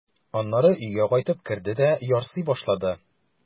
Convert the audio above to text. Аннары өйгә кайтып керде дә ярсый башлады.